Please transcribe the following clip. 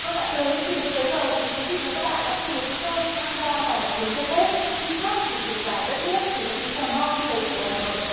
vâng ạ từ đầu chương trình cho tới giờ thì quý vị và các bạn đã cùng với chúng tôi tham gia vào chuyến xe tết đi khắp một chiều dài đất nước từ đất mũi cà mau cho tới thủ đô hà nội